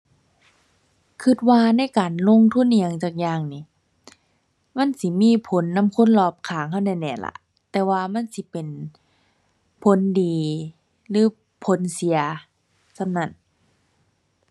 คิดว่าในการลงทุนอิหยังจักอย่างนี่ มันสิมีผลนำคนรอบข้างคิดแน่แน่ล่ะ แต่ว่ามันสิเป็นผลดีหรือผลเสียส่ำนั้น